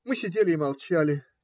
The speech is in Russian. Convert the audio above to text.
Мы сидели и молчали.